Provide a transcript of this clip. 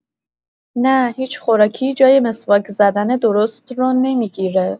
نه، هیچ خوراکی جای مسواک زدن درست رو نمی‌گیره.